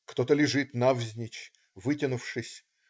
Кто-то лежит навзничь, вытянувшись.